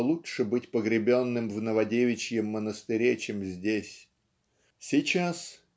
что лучше быть погребенным в Новодевичьем монастыре чем здесь. Сейчас